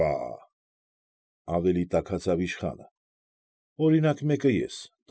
Վաա՜,֊ ավելի տաքացավ իշխանը,֊ օրինակ, մեկը ես։